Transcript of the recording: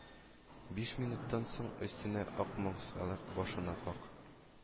Биш минуттан соң өстенә ак маскхалат, башына ак